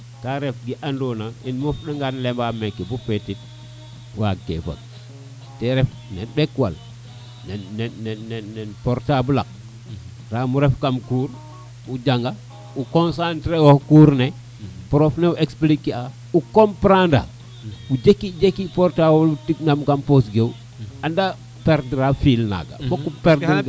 ka ref ge ando na in moof nanag lemaan meke bo fetit waag ke fag te ref ɓekwal nen nen portable axe yamo ref kam cour o janga o concentrer ox cour ne prof newo expliquer o comprendre a a jeki jeki portable fi kam poos kewo anda perdre a fil naga